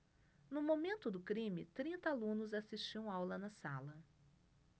no momento do crime trinta alunos assistiam aula na sala